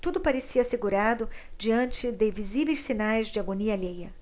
tudo parecia assegurado diante de visíveis sinais de agonia alheia